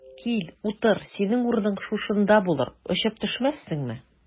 Кил, утыр, синең урының шушында булыр, очып төшмәссеңме?